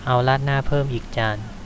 เอาราดหน้าเพิ่มอีกจาน